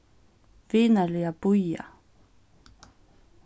vinarliga bíða